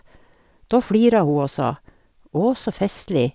Da flira hun og sa Å, så festlig.